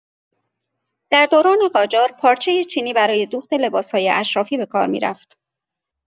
در دوران قاجار، پارچه چینی برای دوخت لباس‌های اشرافی به کار می‌رفت.